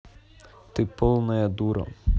ты полная дура